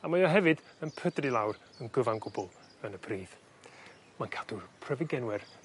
a mae o hefyd yn pydru lawr yn gyfan gwbwl yn y pridd. Mae'n cadw'r pryfigenwyr